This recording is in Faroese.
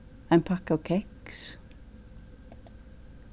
ein pakka av keks